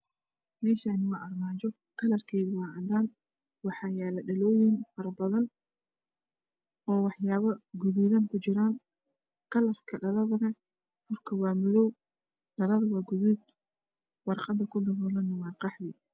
Meshani waa armajo kalrkedu wa cadan waxa yalo dhaloyin fara badan oo waxyabo gadudan kujiran kalrku dhaladana furka wa madow dhaladane wa gudud warqada kudabolan wa Qaxwi